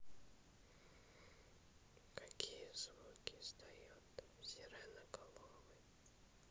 какие звуки издает сиреноголовый